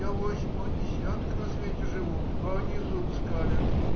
Я восьмой десяток на свете живу, а они зубы скалят.